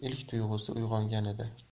ilk tug'usi uyg'ongan edi